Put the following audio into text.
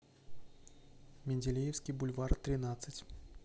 менделеевский бульвар тринадцать